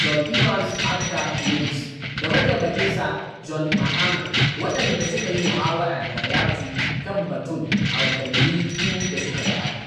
John Evans Atta Mills da mataimakinsa John Mahama waɗanda, suka yi muhawara da Hayatou kan batun a watanni biyu da suka gabata.